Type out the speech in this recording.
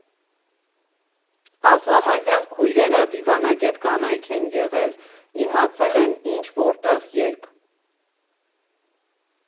Ասլամազյան քույրերը դիվանագետ կանայք են եղել, իմացել են՝ ինչ, որտեղ, երբ։